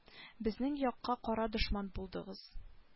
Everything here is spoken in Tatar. Безнең якка кара дошман булдыгыз